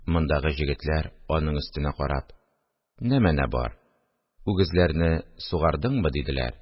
Мондагы җегетләр, аның өстенә карап: – Нәмәнә бар, үгезләрне сугардыңбы? – диделәр